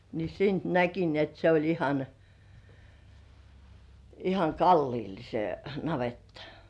niin siitä näki niin että se oli ihan ihan kalliolla se navetta